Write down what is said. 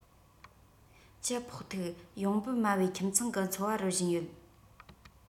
གྱི ཕོག ཐུག ཡོང འབབ དམའ བའི ཁྱིམ ཚང གི འཚོ བ རོལ བཞིན ཡོད